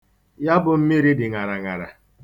Ya bụ mmiri dị ṅaraṅara.